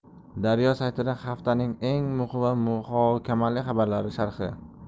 daryo saytida haftaning eng muhim va muhokamali xabarlari sharhi